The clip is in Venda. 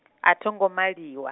a tho ngo maliwa.